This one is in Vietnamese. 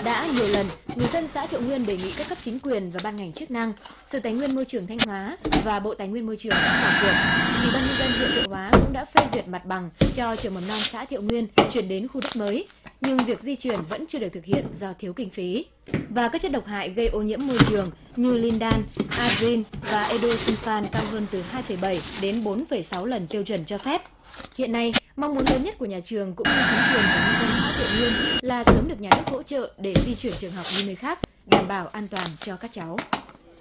đã nhiều lần người dân xã thiệu nguyên đề nghị các cấp chính quyền và ban ngành chức năng sở tài nguyên môi trường thanh hóa và bộ tài nguyên môi trường đã vào cuộc ủy ban nhân dân huyện thiệu hóa cũng đã phê duyệt mặt bằng cho trường mầm non xã thiệu nguyên chuyển đến khu đất mới nhưng việc di chuyển vẫn chưa được thực hiện do thiếu kinh phí và các chất độc hại gây ô nhiễm môi trường như lin đan a rin and ê đu xưn phan cao hơn từ hai phẩy bảy đến bốn phẩy sáu lần tiêu chuẩn cho phép hiện nay mong muốn lớn nhất của nhà trường cũng như chính quyền và nhân dân xã thiệu nguyên là sớm được nhà nước hỗ trợ để di chuyển trường học đi nơi khác đảm bảo an toàn cho các cháu